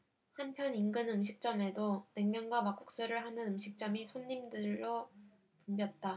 한편 인근 음식점에도 냉면과 막국수를 하는 음식점이 손님들로 붐볐다